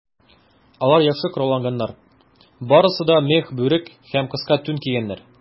Алар яхшы коралланганнар, барысы да мех бүрек һәм кыска тун кигәннәр.